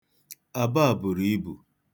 Abọ a buru ibu.